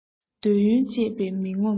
འདོད ཡོན སྤྱད པས མི ངོམས ཏེ